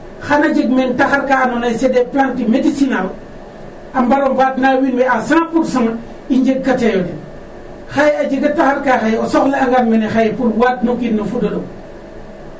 xan a jeg meen taxar ka andoona ye c' est des plante médicinal a mbar o mbaadna wiin we a cent pourcent i njegkateeyo den. Xaye a jega taxar ka xaye o soxla'angaan mene xaye pour o waadin o kiin mene no fud o ɗom